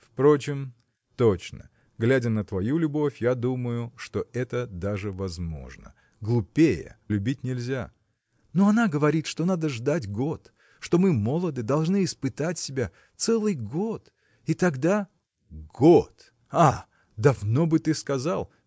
– Впрочем, точно, глядя на твою любовь, я думаю, что это даже возможно глупее любить нельзя! – Но она говорит что надо ждать год что мы молоды должны испытать себя. целый год. и тогда. – Год! а! давно бы ты сказал!